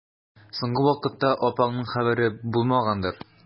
Соңгы вакытта апаңның хәбәре булмагандыр?